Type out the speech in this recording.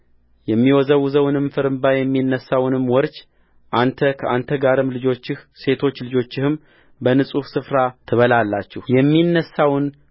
የሚወዘወዘውን ፍርምባ የሚነሣውንም ወርች አንተ ከአንተ ጋርም ልጆችህ ሴቶች ልጆችህም በንጹሕ ስፍራ ትበላላችሁየሚነሣውን